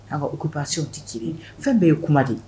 A ko ko baasisiww tɛ ci ye fɛn bɛɛ ye kuma de ye